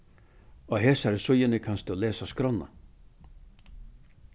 á hesari síðuni kanst tú lesa skránna